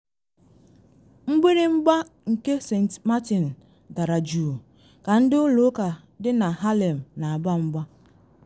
Mgbịrịmgba nke St. Martin Dara Jụụ ka Ndị Ụlọ Ụka dị na Harlem Na Agba Mba